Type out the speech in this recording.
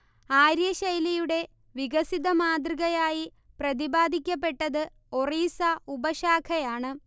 ആര്യ ശൈലിയുടെ വികസിത മാതൃകയായി പ്രതിപാദിക്കപ്പെട്ടത് ഒറീസ ഉപശാഖയാണ്